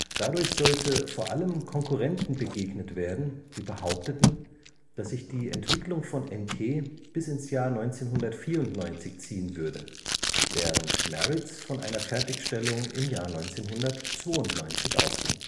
Dadurch sollte vor allem Konkurrenten begegnet werden, die behaupteten, dass sich die Entwicklung von NT bis ins Jahr 1994 ziehen würde, während Maritz von einer Fertigstellung im Jahr 1992 ausging